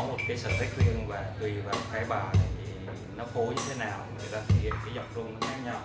tùy bài và tùy sở thích của mỗi người mà giọng rung sẽ khác nhau nó phối như thế nào người ta thể hiện giọng rung sẽ khác nhau